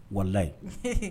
Walaye,